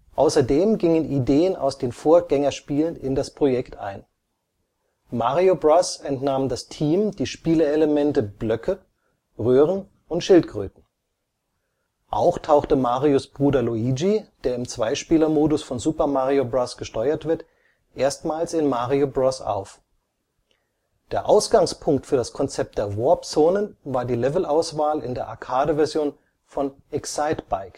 Außerdem gingen Ideen aus den Vorgängerspielen in das Projekt ein. Mario Bros. entnahm das Team die Spielelemente Blöcke, Röhren und Schildkröten. Auch tauchte Marios Bruder Luigi, der im Zweispielermodus von Super Mario Bros. gesteuert wird, erstmals in Mario Bros. auf. Der Ausgangspunkt für das Konzept der Warp-Zonen war die Levelauswahl in der Arcade-Version von Excitebike